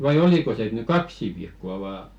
vai oliko se että nyt kaksi viikkoa vain